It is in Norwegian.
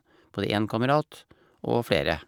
Både én kamerat og flere.